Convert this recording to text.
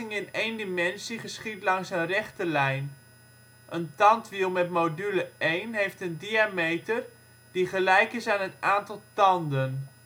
in één dimensie geschiedt langs een rechte lijn. Een tandwiel met module 1 heeft een diameter die gelijk is aan het aantal tanden